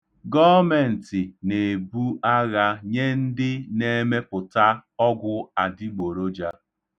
Gọọmentị na-ebu agha nye ndị na-emepụta ọgwụ adịgboroja.